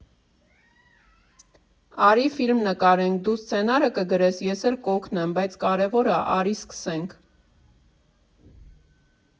Արի՛ ֆիլմ նկարենք, դու սցենարը կգրես, ես էլ կօգնեմ, բայց կարևորը՝ արի՛ սկսենք։